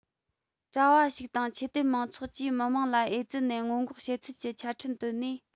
གྲ བ ཞིག དང ཆོས དད མང ཚོགས ཀྱིས མི དམངས ལ ཨེ ཙི ནད སྔོན འགོག བྱེད ཚུལ གྱི ཆ འཕྲིན བཏོན ནས